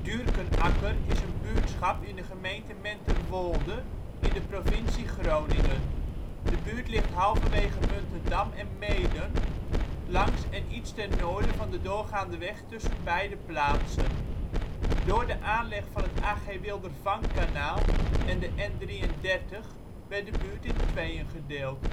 Duurkenakker is een buurtschap in de gemeente Menterwolde in de provincie Groningen. De buurt ligt halverwege Muntendam en Meeden, langs en iets ten noorden van de doorgaande weg tussen beide plaatsen. Door de aanleg van het A.G. Wildervanckkanaal en de N33 werd de buurt in tweeën gedeeld.